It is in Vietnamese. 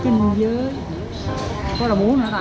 kinh giới có rau muống nữa hả